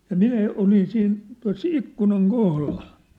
ja minä olin siinä tuossa ikkunan kohdalla